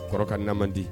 Kɔrɔ ka na man di.